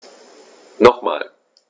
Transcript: Nochmal.